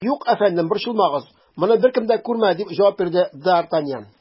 Юк, әфәндем, борчылмагыз, моны беркем дә күрмәде, - дип җавап бирде д ’ Артаньян.